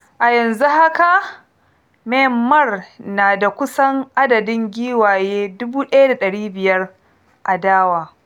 A yanzu haka, Maynmar na da kusan adadin giwaye 1,500 a dawa.